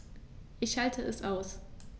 Ich schalte es aus.